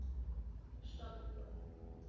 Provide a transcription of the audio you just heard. Stoppuhr.